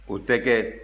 o tɛ kɛ